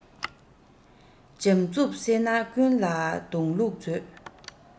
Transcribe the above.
འཇམ རྩུབ བསྲེས ན ཀུན ལ འདོང ལུགས མཛོད